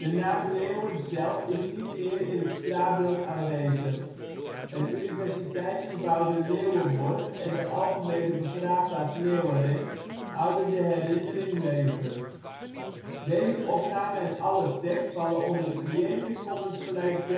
naam Leeuwen zelf is niet meer in het straatbeeld aanwezig; het universiteitsgebouw ' de Leeuwenborgh ' en algemene begraafplaats Leeuwerenk houden de herinnering levend. 51° 59 ' NB, 5°